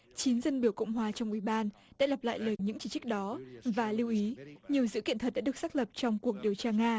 chín dân biểu cộng hòa trong ủy ban đã lặp lại lời những chỉ trích đó và lưu ý nhiều dữ kiện thật đã được xác lập trong cuộc điều tra nga